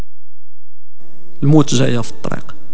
الموت جاي في الطريق